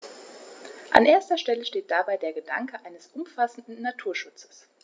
An erster Stelle steht dabei der Gedanke eines umfassenden Naturschutzes.